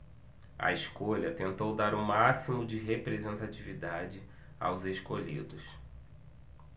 a escolha tentou dar o máximo de representatividade aos escolhidos